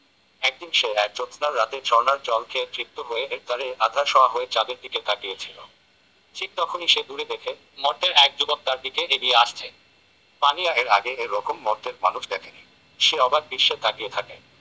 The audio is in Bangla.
একদিন সে এক জ্যোৎস্নার রাতে ঝরনার জল খেয়ে তৃপ্ত হয়ে এর ধারেই আধা শোয়া হয়ে চাঁদের দিকে তাকিয়ে ছিল ঠিক তখনই সে দূরে দেখে মর্ত্যের এক যুবক তার দিকে এগিয়ে আসছে পানিয়া এর আগে এ রকম মর্ত্যের মানুষ দেখেনি সে অবাক বিস্ময়ে তাকিয়ে থাকে